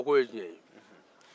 u k'o ye tiɲɛ ye